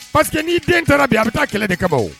Paseke n'i den kɛra bi a bɛ taa kɛlɛ de ka